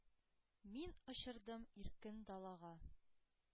Мин очырдым иркен далага.